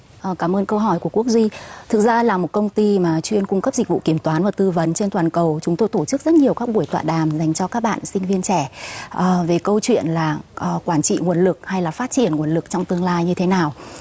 ờ cảm ơn câu hỏi của quốc duy thực ra là một công ty mà chuyên cung cấp dịch vụ kiểm toán và tư vấn trên toàn cầu chúng tôi tổ chức rất nhiều các buổi tọa đàm dành cho các bạn sinh viên trẻ ờ về câu chuyện là ờ quản trị nguồn lực hay là phát triển nguồn lực trong tương lai như thế nào